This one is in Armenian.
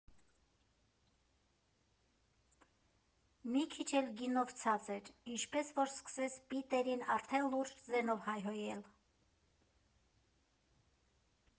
Մի քիչ էլ գինովցած էր, էնպես որ սկսեց Պիտերին արդեն լուրջ ձենով հայհոյել։